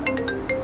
cái